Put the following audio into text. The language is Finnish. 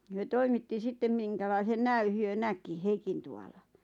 he toimitti sitten minkälaisen näyn he näki Heikintuvalla